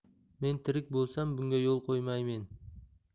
men tirik bo'lsam bunga yo'l qo'ymaymen